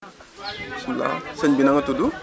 bisimilah sëñ bi na nga tudd